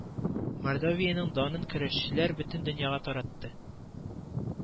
Мордовияның данын көрәшчеләр бөтен дөньяга таратты